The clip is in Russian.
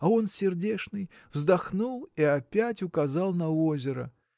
А он, сердечный, вздохнул и опять указал на озеро.